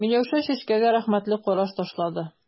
Миләүшә Чәчкәгә рәхмәтле караш ташлады.